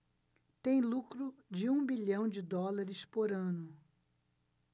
tem lucro de um bilhão de dólares por ano